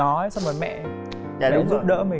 nói sau mẹ đã giúp đỡ mình